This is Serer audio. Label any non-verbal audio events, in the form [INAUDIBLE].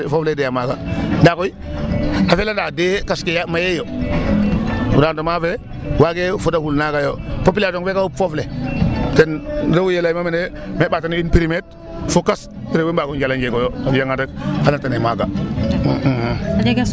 Foof le doya maaga ndaa koy a fela ndaa doyee yaam kas ke mayeeyo rendement fe waagee fodaful naaga yo population fe ka xup foof le ten refu yee layma mene mais ɓaatana in périmétre rew we mbaag o njalooyo fo kas rew we mbaaf o njal a njegooyo a fi'angaan rek xan a tane maaga. [HESITATION]